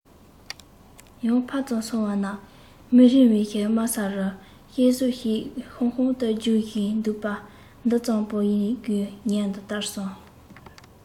ཡང ཕར ཙམ སོང བ ན མི རིང བའི དམའ ས རུ གཤེར གཟུགས ཤིག ཤང ཤང དུ རྒྱུག གིན འདུག པ འདི གཙང པོ ཡིན དགོས ངས འདི ལྟར བསམ